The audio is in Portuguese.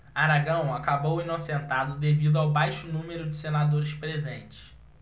aragão acabou inocentado devido ao baixo número de senadores presentes